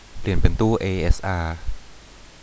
เปลี่ยนเป็นตู้เอเอสอา